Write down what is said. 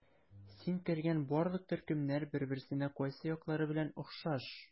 Син кергән барлык төркемнәр бер-берсенә кайсы яклары белән охшаш?